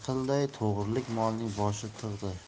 to'g'rilik molning boshi tog'day